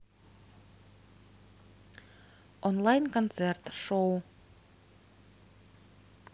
онлайн концерт шоу